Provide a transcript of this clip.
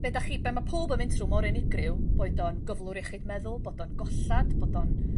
be' dach chi be' ma' powb yn mynd trw' mor unigryw boed o'n gyflwr iechyd meddwl bod o'n gollad bod on